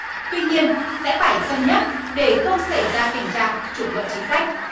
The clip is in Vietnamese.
tuy nhiên sẽ phải cân nhắc để không xảy ra tình trạng trục lợi chính sách